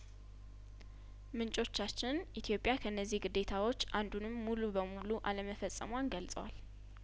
ምንጮቻችን ኢትዮጵያከእነዚህ ግዴታዎች አንዱንም ሙሉ በሙሉ አለመፈጸሟን ገልጸዋል